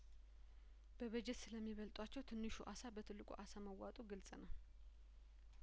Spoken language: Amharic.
በበጀት ስለሚበልጧቸው ትንሹ አሳ በትልቁ አሳ መዋጡ ግልጽ ነው